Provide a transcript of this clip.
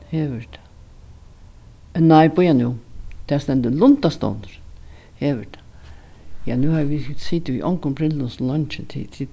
hevur tað nei bíða nú tað stendur lundastovnur ja nú havi eg sitið við ongum brillum so leingi